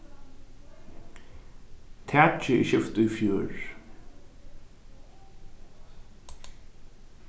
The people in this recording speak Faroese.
takið er skift í fjør